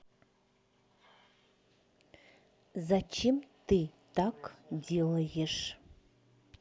зачем ты так делаешь